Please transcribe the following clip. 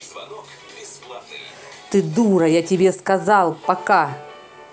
ты дура я тебе сказал пока